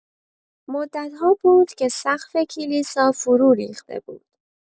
مدت‌ها بود که سقف کلیسا فرو ریخته بود.